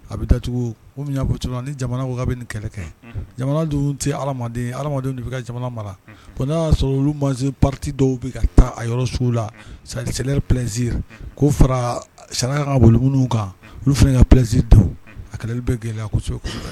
A bɛ dacogo ni jamana bɛ ni kɛlɛ kɛ jamana dun tɛden de bɛ ka jamana mara ko n'a y'a sɔrɔ olu maze pati dɔw bɛ ka taa a yɔrɔ so la sa sɛ pzie ko fara sɛnɛ kan bɔugun kan olu fana ka pzi a bɛ gɛlɛya ko so